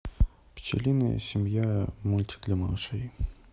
пчелиная семья мультик для малышей